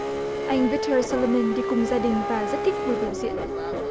anh viết tơ so lơ mừn đi cùng gia đình và rất thích buổi biểu diễn